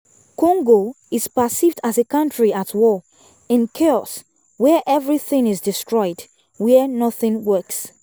Congo is perceived as a country at war, in chaos, where everything is destroyed, where nothing works.